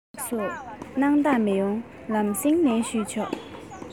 ལགས སོ སྣང དག མི ཡོང ལམ སེང ལན ཞུས ཆོག